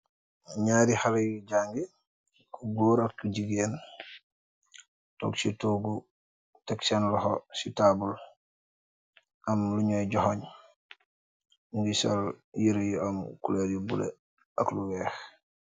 Jareh hale yui jangah , gu goor ak jigeen , too si toguh teek sen loho si tabul , emm luh yuuh johog , yukeh sol yereh yu emm culoor bu bulo ak lu weeh.